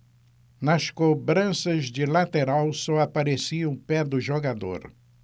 nas cobranças de lateral só aparecia o pé do jogador